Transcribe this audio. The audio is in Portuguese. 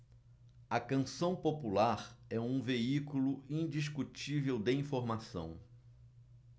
a canção popular é um veículo indiscutível de informação